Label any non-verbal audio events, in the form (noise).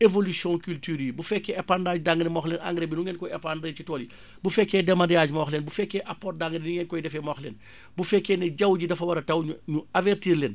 évolution culture yi bu fekkee épendage d' engrais ma wax leen engrais bi nu ngeen koy épendre ci tool yi (breath) bu fekkee démadiage ma wax leen bu fekee aprodac ak ni ngeen koy defee ma wax leen (breath) bu fekkee ne jaww ji dafa war a taw ñu ñu avertir leen